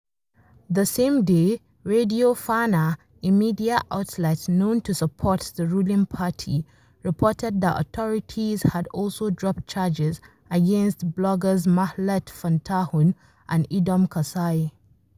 The same day Radio FANA, a media outlet known to support the ruling party, reported that authorities had also dropped charges against bloggers Mahlet Fantahun and Edom Kassaye.